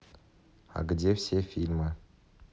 а где все фильмы